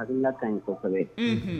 Bakarijandula ka ɲi kɔ kɔfɛ